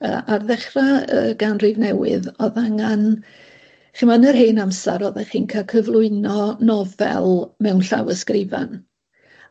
Yy ar ddechra y ganrif newydd o'dd angan ch'mo' yn yr hen amser oddach chi'n ca'l cyflwyno nofel mewn llawysgrifan.